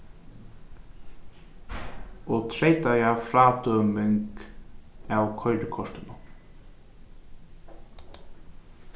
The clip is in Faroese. og treytaða frádøming av koyrikortinum